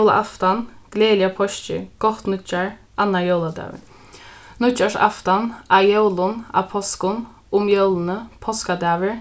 jólaaftan gleðiligar páskir gott nýggjár annar jóladagur nýggjársaftan á jólum á páskum um jólini páskadagur